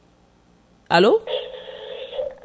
allo